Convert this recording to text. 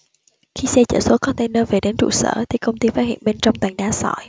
khi xe chở số container về đến trụ sở thì công ty phát hiện bên trong toàn đá sỏi